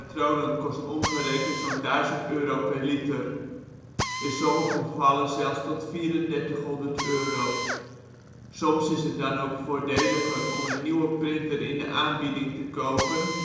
kost omgerekend zo 'n 1000 euro per liter, in sommige gevallen zelfs tot 3400 euro). Soms is het dan ook voordeliger om een nieuwe printer in de aanbieding te kopen